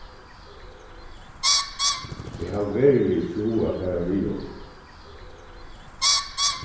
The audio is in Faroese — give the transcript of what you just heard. eg havi veruliga ikki hug at fara við honum